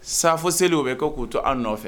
Safo selen u bɛ kɛ k'o to an nɔfɛ